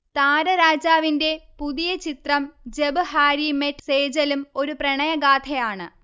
താരരാജാവിന്റെ പുതിയ ചിത്രം Jab Harry met സേജലും ഒരു പ്രണയഗാഥയാണ്